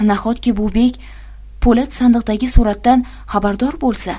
nahotki bu bek po'lat sandiqdagi suratdan xabardor bo'lsa